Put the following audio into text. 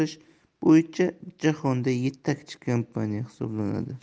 chiqarish bo'yicha jahonda yetakchi kompaniya hisoblanadi